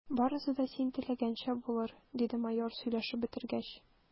Барысы да син теләгәнчә булыр, – диде майор, сөйләшеп бетергәч.